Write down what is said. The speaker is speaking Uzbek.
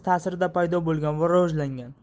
ta'sirida paydo bo'lgan va rivojlangan